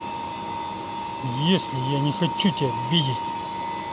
если я не хочу тебя видеть